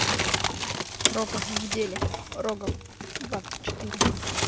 рогов в деле рогов двадцать четыре